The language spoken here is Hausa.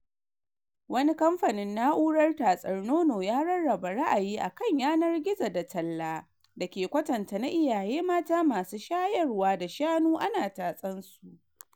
Wani kamfanin Nau’rar tatsar nono ya rarraba ra'ayi a kan yanar gizo da talla dake kwatanta na iyaye mata masu shayarwa da shanu ana tatsan su.